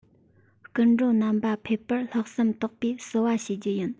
སྐུ མགྲོན རྣམ པ ཕེབས པར ལྷག བསམ དག པའི བསུ བ ཞུ རྒྱུ ཡིན